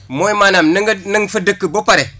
mooy maanaam na nga na nga fa dëkk ba pare